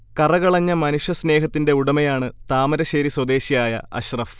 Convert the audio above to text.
കറകളഞ്ഞ മനുഷ്യ സ്നേഹത്തിന്റെ ഉടമയാണ് താമരശേരി സ്വദേശിയായ അഷ്റഫ്